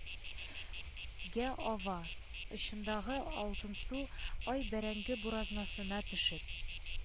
Гә ава, очындагы алтынсу ай бәрәңге буразнасына төшеп